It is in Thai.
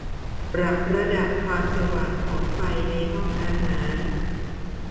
ปรับระดับความสว่างของไฟในห้องอาหาร